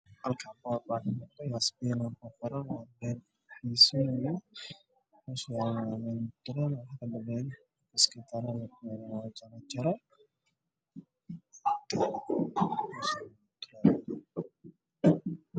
Meeshaan ayaallo warqad ay ku qoran tahay yasmin saluul waxayna ku dhex jirtaa la-a an dhal ah waxayna taanaan taleen